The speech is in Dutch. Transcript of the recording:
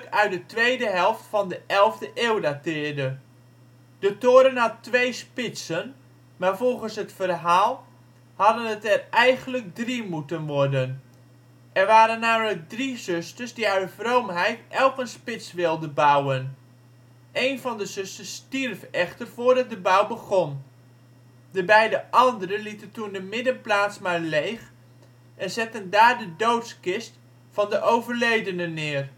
uit de tweede helft van de 11e eeuw dateerde. De toren had twee spitsen, maar volgens het verhaal hadden het er eigenlijk drie moeten worden. Er waren namelijk drie zusters, die uit vroomheid elk een spits wilden bouwen. Een van de zusters stierf echter voordat de bouw begon. De beide anderen lieten toen de middenplaats maar leeg en zetten daar de doodskist van de overledene neer